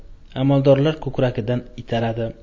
amaldorlar ko'kragidan itaradi